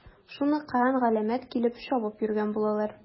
Шуны кыран-галәмәт килеп чабып йөргән булалар.